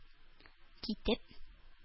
Китеп